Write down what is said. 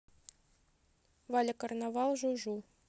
валя карнавал жу жу